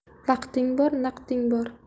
vaqting bor naqding bor